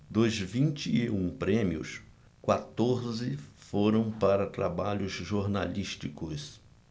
dos vinte e um prêmios quatorze foram para trabalhos jornalísticos